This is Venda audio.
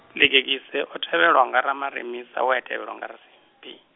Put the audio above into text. Ḽigegise o tevhelwa nga Ramaremisa we a tevhelwa nga Rasimphi.